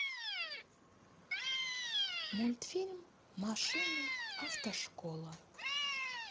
мультфильм машина автошкола